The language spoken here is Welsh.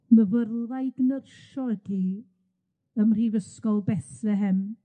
Myfyrwraig nyrsio ydw i ym mhrifysgol Bethlehem.